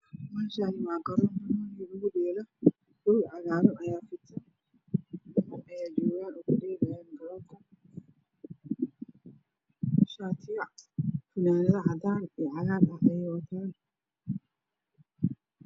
Meeshaan waa garoon banooni lugu dheelo roog cagaaran ayaa fidsan wiilal ayaa joogo oo kudheelayo waxay wataan fanaanado cadaan iyo cagaar ah.